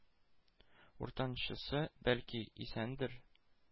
Уртанчысы, бәлки, исәндер,